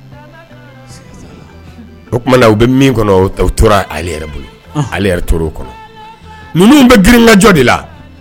O tuma u bɛ min kɔnɔ u tora bolo tora minnu bɛ grinkajɔ de la